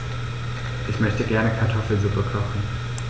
Ich möchte gerne Kartoffelsuppe kochen.